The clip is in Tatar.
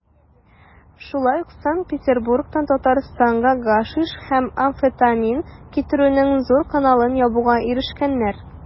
Шулай ук Санкт-Петербургтан Татарстанга гашиш һәм амфетамин китерүнең зур каналын ябуга ирешкәннәр.